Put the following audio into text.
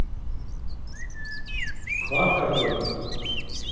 kákagøta